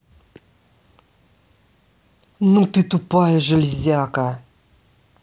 ну ты тупая железяка